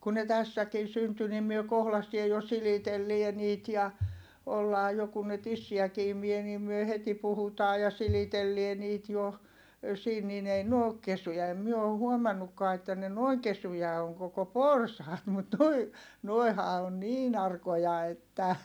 kun ne tässäkin syntyi niin me kohdasteen jo silitellään niitä ja ollaan jo kun ne tissiäkin imi niin me heti puhutaan ja silitellään niitä jo siinä niin ei ne ole kesyjä ei me ole huomannutkaan että ne noin kesyjä on koko porsaat mutta nuo nuohan on niin arkoja että